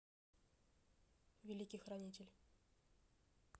великий хранитель